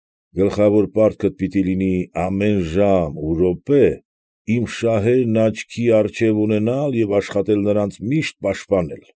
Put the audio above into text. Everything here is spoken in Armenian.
Գլխավոր պարտքդ պիտի լինի ամեն ժամ ու րոպե իմ շահերն աչքի առջև ունենալ և աշխատել նրանց միշտ պաշտպանել։